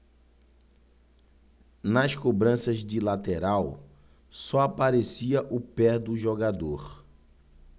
nas cobranças de lateral só aparecia o pé do jogador